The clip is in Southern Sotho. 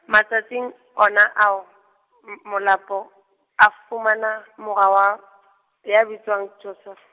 matsatsing ona ao M- Molapo a fumana mora wa, ya bitswang Josef-.